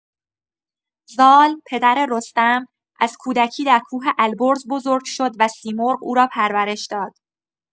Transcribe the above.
زال، پدر رستم، از کودکی در کوه البرز بزرگ شد و سیمرغ او را پرورش داد.